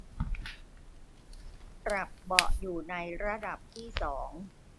ปรับเบาะอยู่ในระดับที่สอง